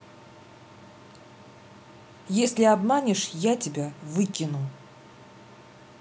если обманешь я тебя выкину